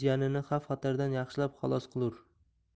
xavf xatardan yaxshilab xalos qilur